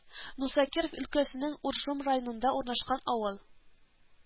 Нуса Киров өлкәсенең Уржум районында урнашкан авыл